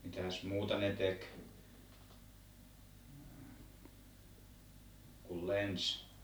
mitäs muuta ne teki kuin lensi